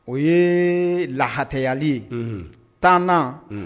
O ye lahatɛyali tanana